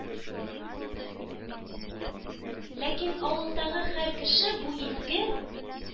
Ләкин авылдагы һәр кеше бу изге,